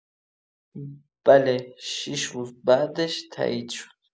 بله ۶ روز بعدش تایید شد.